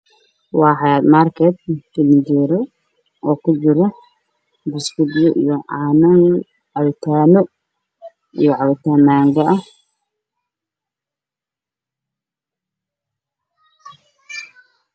Waa supermarket waxaa yaalo caagada ku jiraan caano